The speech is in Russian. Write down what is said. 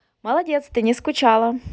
молодец ты не скучала